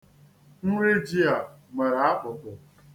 Nri ji a nwere akpụkpụ.